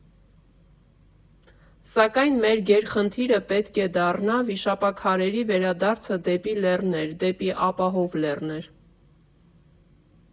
Սակայն մեր գերխնդիրը պետք է դառնա վիշապաքարերի վերադարձը դեպի լեռներ՝ դեպի ապահով լեռներ։